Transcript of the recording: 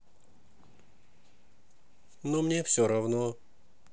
но мне все равно